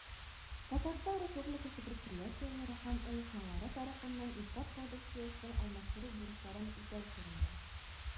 Татарстан Республикасы предприятиеләре һәм оешмалары тарафыннан импорт продукциясен алмаштыру бурычларын үтәү турында.